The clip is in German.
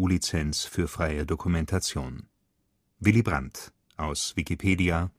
Lizenz für freie Dokumentation. Willy Brandt (1980) Willy Brandt (*